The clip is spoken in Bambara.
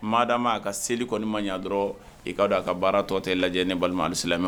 Mada ma a ka seli kɔni ma ɲɛ dɔrɔn i kaa dɔn a ka baara tɔ tɛ lajɛ ni balimasila